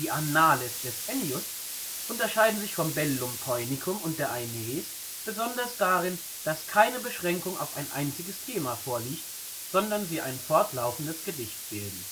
Annales des Ennius unterscheiden sich vom Bellum Poenicum und der Aeneis besonders darin, dass keine Beschränkung auf ein einziges Thema vorliegt, sondern sie ein fortlaufendes Gedicht bilden